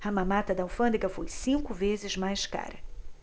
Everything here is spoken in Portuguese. a mamata da alfândega foi cinco vezes mais cara